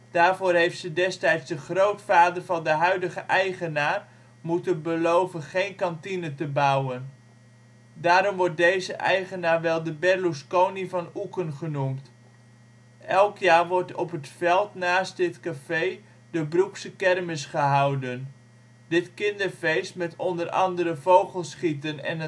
Daarvoor heeft ze destijds de grootvader van de huidige eigenaar moeten beloven geen kantine te bouwen. Daarom wordt deze eigenaar wel de Berlusconi van Oeken genoemd. Elk jaar wordt op het veld naast dit café de Broekse Kermis gehouden. Dit kinderfeest met onder andere vogelschieten en